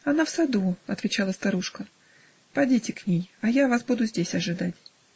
"Она в саду, -- отвечала старушка, -- подите к ней, а я вас буду здесь ожидать".